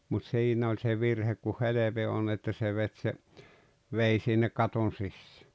mutta siinä oli se virhe kun helve on että se veti se veden sinne katon sisään